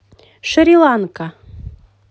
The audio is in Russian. шри ланка